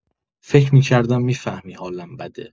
فکر می‌کردم می‌فهمی حالم بده